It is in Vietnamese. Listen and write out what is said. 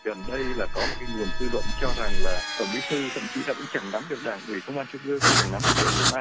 gần đây là có một cái nguồn dư luận cho rằng là tổng bí thư thậm chí là cũng chẳng nắm được đảng ủy công an trung ương và chẳng nắm được bộ công an